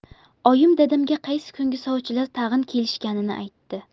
oyim dadamga qaysi kungi sovchilar tag'in kelishganini aytdi